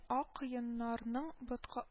Ак каеннарның ботка